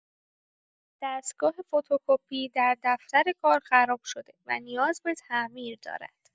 دستگاه فتوکپی در دفتر کار خراب شده و نیاز به تعمیر دارد.